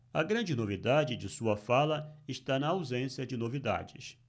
a grande novidade de sua fala está na ausência de novidades